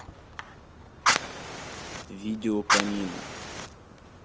видео камина